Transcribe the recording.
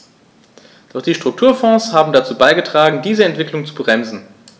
Doch die Strukturfonds haben dazu beigetragen, diese Entwicklung zu bremsen.